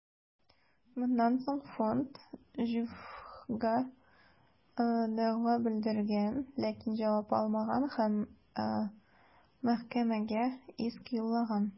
Моннан соң фонд ҖҮФХгә дәгъва белдергән, ләкин җавап алмаган һәм мәхкәмәгә иск юллаган.